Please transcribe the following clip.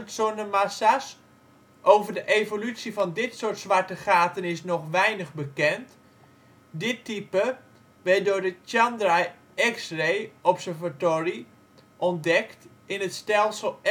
zonnemassa 's. Over de evolutie van dit soort zwarte gaten is nog weinig bekend. Dit type werd door de Chandra X-ray Observatory ontdekt in het stelsel